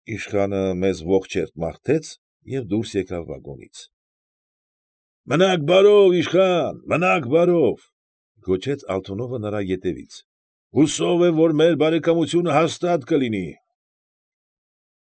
Իշխանը մեզ ողջերթ մաղթեց և դուրս եկավ վագոնից։ ֊ Մնա՜ք բարով, իշխան, մնա՜ք քարով,֊ զոչեց Ալթունովը նրա եաևից,֊ հույսով եմ, որ մեր բարեկամությունը հաստատ կլինի։